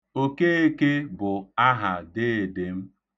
Okeeke bụ aha deede m.